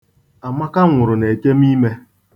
Amaka nwụrụ n'ekemụime.